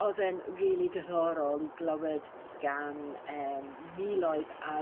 o'dd e'n rili diddorol i glywed gan emm miloedd a